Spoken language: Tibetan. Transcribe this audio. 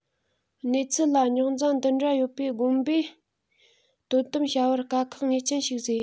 གནས ཚུལ ལ རྙོག འཛིང འདི འདྲ ཡོད པས དགོན པའི དོ དམ བྱ བར དཀའ ཁག ངེས ཅན ཞིག བཟོས